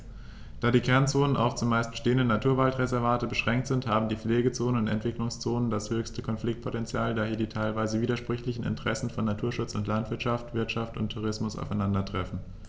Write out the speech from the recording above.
Da die Kernzonen auf – zumeist bestehende – Naturwaldreservate beschränkt sind, haben die Pflegezonen und Entwicklungszonen das höchste Konfliktpotential, da hier die teilweise widersprüchlichen Interessen von Naturschutz und Landwirtschaft, Wirtschaft und Tourismus aufeinandertreffen.